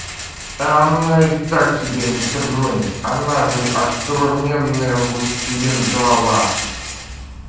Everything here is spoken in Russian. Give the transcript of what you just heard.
а она и так тебя не тронет она же огроменная властелин голова